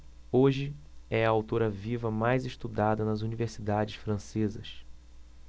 hoje é a autora viva mais estudada nas universidades francesas